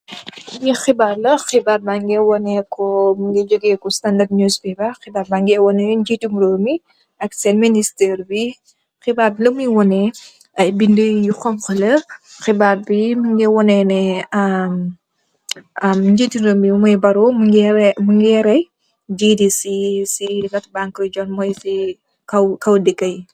Lii xibaar la, xibaar bi mu ngi jogee "Standard News Paper". Xibaar baa ngee wane ñjiitum rew mi ak Seen ministër bi. Xibaar bi lu mooy wane ay bindë yu xoñgu la. Xibaar bi mu ngee wane ne, ñjiti rew mi mooy Barrow, mu ngee ray, GDC, "North Bank Region", mooy si kow dëkë yi.